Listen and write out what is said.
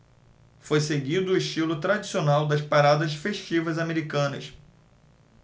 foi seguido o estilo tradicional das paradas festivas americanas